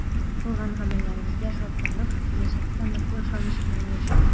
Кылган гамәлләребезгә шатланып, киләчәккә ныклы ышаныч белән яшик!